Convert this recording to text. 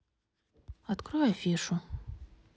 открой афишу